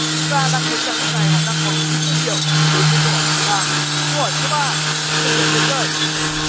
chúng ta đang thấy rằng lúc này họ đang còn chín mươi triệu để đến với câu hỏi số ba câu hỏi số ba đừng để tiền rơi